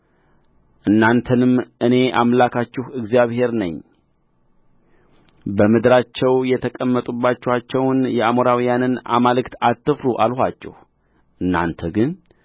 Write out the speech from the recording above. እናንተንም እኔ አምላካችሁ እግዚአብሔር ነኝ በምድራቸው የተቀመጣችሁባቸውን የአሞራያውያንን አማልክት አትፍሩ አልኋችሁ እናንተ ግን